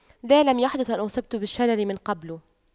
لا لم يحدث ان اصبت بالشلل من قبل